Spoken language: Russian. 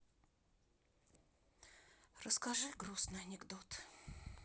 расскажи грустный анекдот